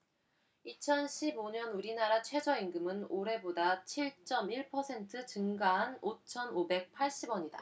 이천 십 오 년 우리나라 최저임금은 올해보다 칠 쩜 일 퍼센트 증가한 오천 오백 팔십 원이다